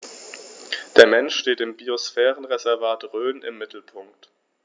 Der Mensch steht im Biosphärenreservat Rhön im Mittelpunkt.